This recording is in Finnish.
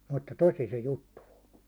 mutta tosi se juttu on